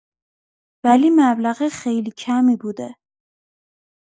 ولی مبلغ خیلی کمی بوده